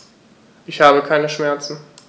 Ich habe keine Schmerzen.